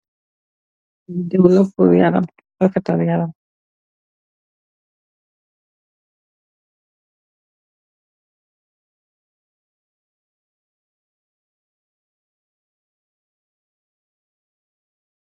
Dew la pul yaram refatal yaram.